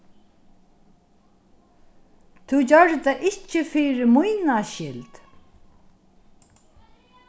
tú gjørdi tað ikki fyri mína skyld